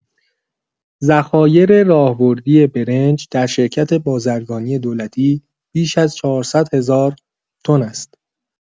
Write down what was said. ذخایر راهبردی برنج در شرکت بازرگانی دولتی بیش از ۴۰۰ هزار تن است.